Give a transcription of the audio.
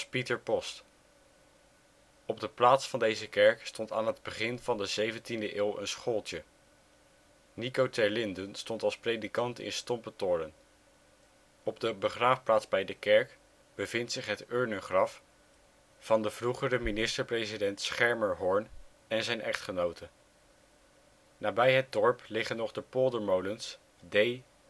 Pieter Post. Op de plaats van deze kerk stond aan het begin van de zeventiende eeuw een schooltje. Nico ter Linden stond als predikant in Stompetoren. Op de begraafplaats bij de kerk bevindt zich het urnengraf van de vroegere minister-president Schermerhorn en zijn echtgenote. Nabij het dorp liggen nog de poldermolens D, E en M.